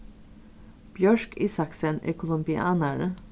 bjørk isaksen er kolumbianari